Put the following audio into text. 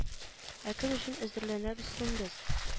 Ә кем өчен әзерләнәбез соң без